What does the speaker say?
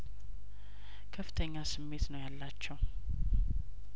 ከፍተኛ ስሜት ነው ያላቸው